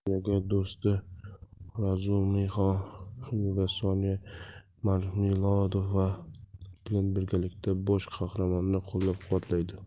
oilasi do'sti razumixin va sonya marmeladova bilan birgalikda bosh qahramonni qo'llab quvvatlaydi